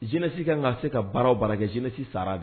Jinɛsi ka ka se ka baaraw baara kɛ jɛnɛsi sara dɛ